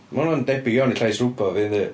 Ma' hwn yn debyg iawn i'r llais robot, fi, yndi?